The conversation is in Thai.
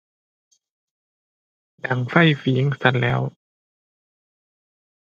ดังไฟฝิงซั้นแหล้ว